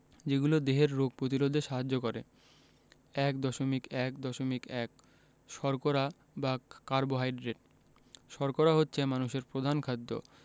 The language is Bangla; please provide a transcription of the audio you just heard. যেগুলো দেহের রোগ প্রতিরোধে সাহায্য করে ১.১.১ শর্করা বা কার্বোহাইড্রেট শর্করা হচ্ছে মানুষের প্রধান খাদ্য